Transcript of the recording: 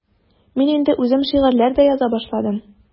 Мин инде үзем шигырьләр дә яза башладым.